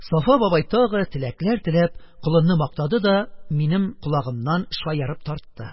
Сафа бабай тагы, теләкләр теләп, колынны мактады да минем колагымнан шаярып тартты: